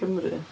Cymru.